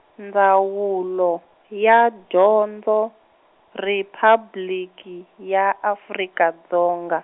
Ndzawulo, ya Dyondzo, Riphabliki ya Afrika Dzonga.